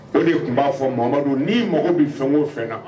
O de tun b'a fɔ Mamadu n'i mago bɛ fɛn o fɛn na